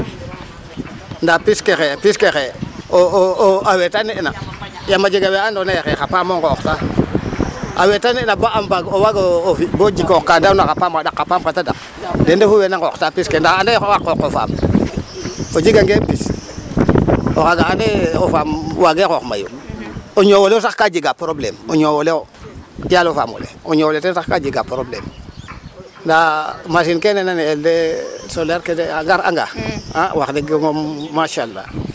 Ndaa pis ke xaye, pis ke xay eo o we tane'ina yaam a jega we andoona yee xa paam o nqooxtaa e we tane'na bo o waago fi' jikoox ka daawna xa paam xa ɗak xa paam xa tadaq ten refu we naa nqooxtaa pis ke ndaa anda yee qoox faam o jegangee pis o xaaga ande yee o fam waagee xoox mayu o ñoow ole wo sax ka jega probléme ya alo famo le o ñoow ole ten sax kaa jegaa probléme ndaa machine ke na leyel Solaire ke de a ngaranga a wax deg mom masala.